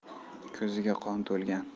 ko'ziga qon to'lgan